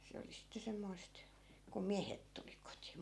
se oli sitten semmoista kun miehet tuli kotiin